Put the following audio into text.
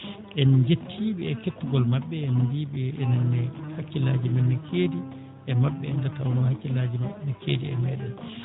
en njettii ɓe e kettagol maɓɓe en mbiyii ɓe enen ne hakkillaaji men ne keedi e maɓɓe nde tawnoo hakkillaaji maɓɓe ne keedi e meeɗen